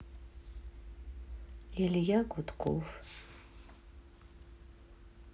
илья гудков